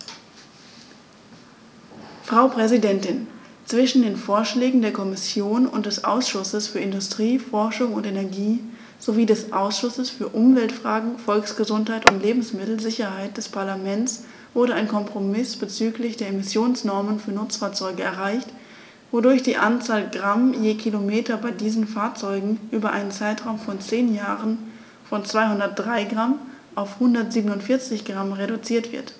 Frau Präsidentin, zwischen den Vorschlägen der Kommission und des Ausschusses für Industrie, Forschung und Energie sowie des Ausschusses für Umweltfragen, Volksgesundheit und Lebensmittelsicherheit des Parlaments wurde ein Kompromiss bezüglich der Emissionsnormen für Nutzfahrzeuge erreicht, wodurch die Anzahl Gramm je Kilometer bei diesen Fahrzeugen über einen Zeitraum von zehn Jahren von 203 g auf 147 g reduziert wird.